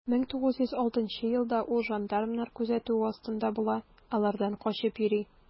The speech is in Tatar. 1906 елда ул жандармнар күзәтүе астында була, алардан качып йөри.